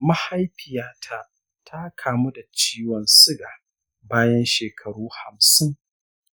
mahaifiyata ta kamu da ciwon suga bayan shekaru hamsin.